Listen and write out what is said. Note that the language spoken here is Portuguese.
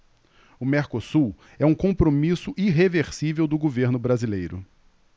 o mercosul é um compromisso irreversível do governo brasileiro